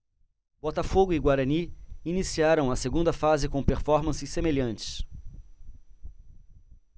botafogo e guarani iniciaram a segunda fase com performances semelhantes